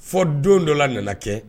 Fɔ don dɔ la nana kɛ